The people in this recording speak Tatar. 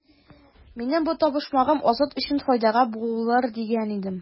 Минем бу табышмагым Азат өчен файдага булыр дигән идем.